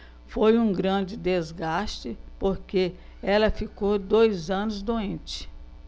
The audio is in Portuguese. foi um grande desgaste porque ela ficou dois anos doente